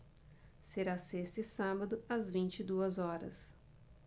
será sexta e sábado às vinte e duas horas